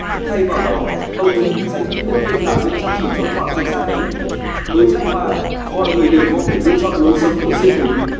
thay vào đó ông muốn vinh danh những nhân viên làm việc chăm chỉ trong khoảng thời gian ấy với jack ma mọi người đều có quyền lựa chọn lối sống của riêng mình